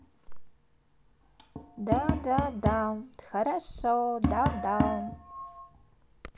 да да да хорошо да да